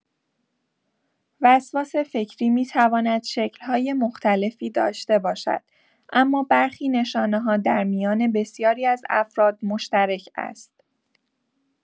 وسواس فکری می‌تواند شکل‌های مختلفی داشته باشد، اما برخی نشانه‌ها در میان بسیاری از افراد مشترک است.